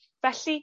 Felly